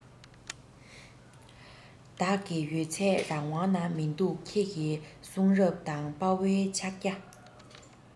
བདག གི ཡོད ཚད རང དབང ན མི འདུག ཁྱེད ཀྱི གསུང རབ དང དཔའ བོའི ཕྱག རྒྱ